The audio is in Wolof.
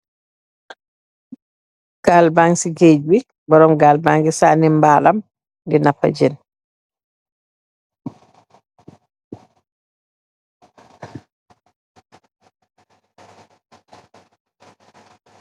Gaal bang se gaeche be borom gaal bage sane malam de napa jeen.